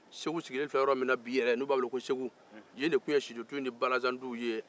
segu sigilen filɛ yɔrɔ min na bi n'u b'a weele ko segu yen tun ye sidow ni balazans ye